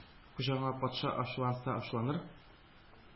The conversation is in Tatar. Хуҗа аңа: Патша ачуланса ачуланыр,